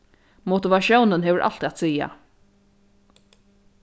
motivatiónin hevur alt at siga